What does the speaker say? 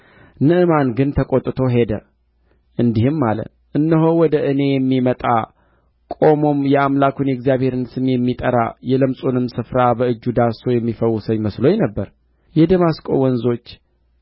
በኤልሳዕም ቤት ደጃፍ ውጭ ቆመ ኤልሳዕም ሂድ በዮርዳኖስም ሰባት ጊዜ ታጠብ ሥጋህም ይፈወሳል አንተም ንጹሕ ትሆናለህ ብሎ ወደ እርሱ መልእክተኛ ላከ